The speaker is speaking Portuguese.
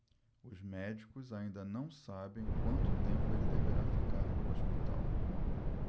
os médicos ainda não sabem quanto tempo ele deverá ficar no hospital